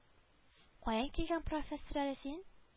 Каян килгән профессор әле син